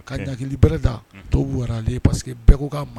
Ka bɛ dalen parce que bɛɛ ko ka